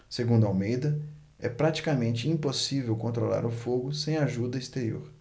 segundo almeida é praticamente impossível controlar o fogo sem ajuda exterior